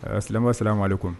Ɛɛ silamɛw salamuhalekum .